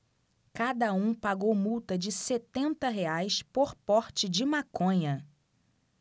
cada um pagou multa de setenta reais por porte de maconha